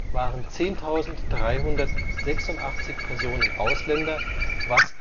Stand jeweils am 31. Dezember, Einwohner mit